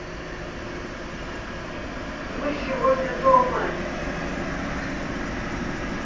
мы сегодня дома